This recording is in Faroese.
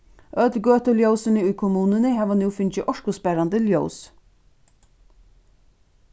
øll gøtuljósini í kommununi hava nú fingið orkusparandi ljós